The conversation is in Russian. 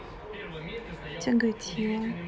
тяготило